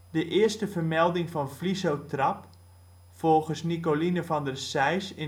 De eerste vermelding van ' vliezotrap ' (volgens Nicoline van der Sijs